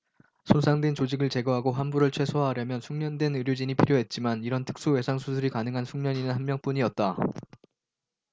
손상된 조직을 제거하고 환부를 최소화하려면 숙련된 의료진이 필요했지만 이런 특수외상 수술이 가능한 숙련의는 한 명뿐이었다